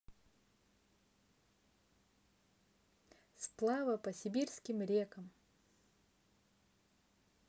сплава по сибирским рекам